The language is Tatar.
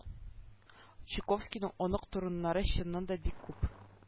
Чуковскийның онык-туруннары чыннан да бик күп